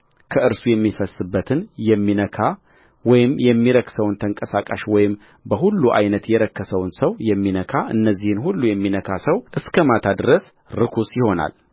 ከእርሱ የሚፈስስበትን የሚነካወይም የሚያረክሰውን ተንቀሳቃሽ ወይም በሁሉ ዓይነት የረከሰውን ሰው የሚነካእነዚህን ሁሉ የሚነካ ሰው እስከ ማታ ድረስ ርኩስ ይሆናል